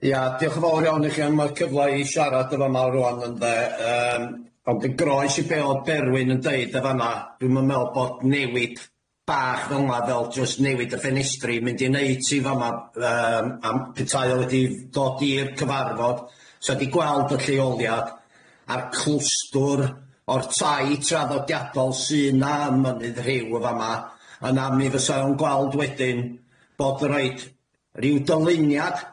Ia, diolch yn fawr iawn i chi am y cyfle i siarad yn fa'ma rŵan ynde yym ond yn groes i be' o'dd Berwyn yn deud yn fa'na dwi'm yn me'wl bod newid bach fel yma fel jyst newid y ffenestri mynd i 'neud hi'n fa'ma yym am petai o wedi dod i'r cyfarfod 'sa fo wedi gweld y lleoliad a'r clwstwr o'r tai traddodiadol sy'na ym Mynydd Rhiw yn fa'ma yna mi fysa o'n gweld wedyn bod rhoid ryw dyluniad,